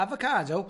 Avocado.